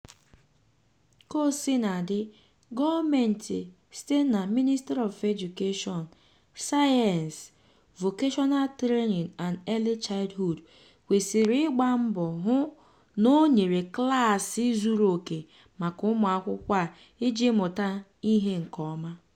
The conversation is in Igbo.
Kaosinadị, Gọọmenti site na Ministry of Education, Science, Vocational Training and Early Childhood kwesịrị ịgba mbọ hụ na ọ nyere klaasị zuru okè maka ụmụakwụkwọ a iji mụta ihe nke ọma.